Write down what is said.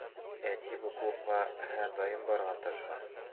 Әти бу клубка һәрдаим барырга тырыша.